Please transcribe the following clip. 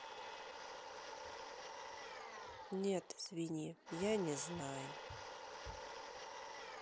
нет извини я не знаю